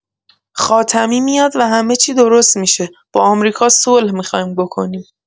خاتمی میاد و همه چی درست می‌شه، با امریکا صلح می‌خایم بکنیم!